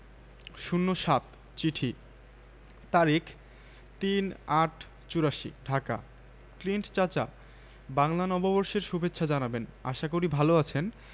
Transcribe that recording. অভিনেতাটি যখন চমৎকার নাটকীয়তা ফুটিয়ে সংলাপ করছেন একটি ঘোড়া আমার একটি ঘোড়া চাই রাজ্য বিলিয়ে দেবো সিংহাশন বিলিয়ে দেবো তবু এই মুহূর্তে আমার একটি ঘোড়া চাই